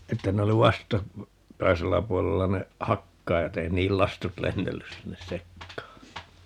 että ne oli - vastakkaisella puolella ne hakkaajat ei niiden lastut lennellyt sinne sekaan